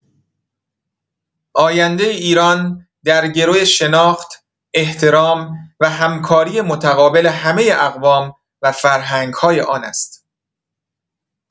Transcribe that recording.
آینده ایران در گرو شناخت، احترام و همکاری متقابل همه اقوام و فرهنگ‌های آن است.